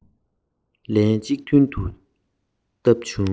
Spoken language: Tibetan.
འོ ན ཙི ཙི ར ལྟ བུ ཞིག ཡོད དམ ཞེས དྲིས